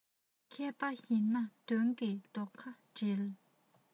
མཁས པ ཡིན ན དོན གྱི རྡོ ཁ སྒྲིལ